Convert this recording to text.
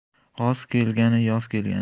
g'oz kelgani yoz kelgani